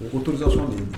O autorisation de ye nin ye